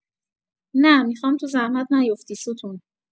نه، میخوام تو زحمت نیوفتی ستون